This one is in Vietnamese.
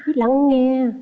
biết lắng nghe